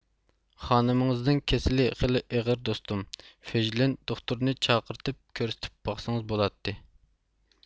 خانىمىڭىزنىڭ كېسىلى خېلى ئېغىر دوستۇم فېژلىن دوختۇرنى چاقىرتىپ كۆرسىتىپ باقسىڭىز بولاتتى